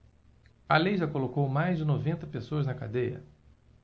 a lei já colocou mais de noventa pessoas na cadeia